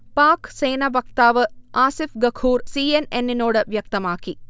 Pack സേന വക്താവ് Asif Ghafoor C. N. എന്നിനോട് വ്യക്തമാക്കി